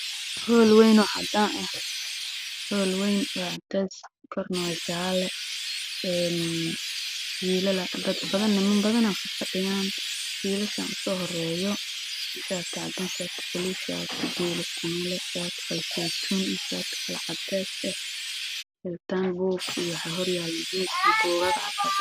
Halkaan waxaa ka muuqdo hool ay fadhiyaan rag badan waxaana ugu soo horeeyo afar nin oo miiska buugaag iyo warqado mid waxa uu qabaa shaati cagaar midna waxa uu qabaa buluug midna cadaan midna madaw iyo cadays